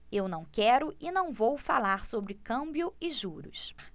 eu não quero e não vou falar sobre câmbio e juros